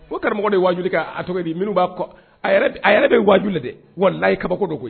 Ko karamɔgɔ de waju kaa cogo minnu b'a a yɛrɛ bɛ waju la de wa layi kabako don koyi